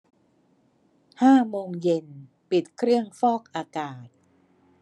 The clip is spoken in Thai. ห้าโมงเย็นปิดเครื่องฟอกอากาศ